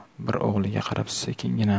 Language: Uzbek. bir o'g'liga qarab sekingina